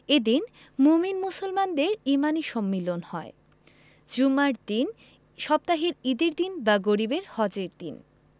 এদিন মোমিন মুসলমানদের ইমানি সম্মিলন হয় জুমার দিন সপ্তাহের ঈদের দিন বা গরিবের হজের দিন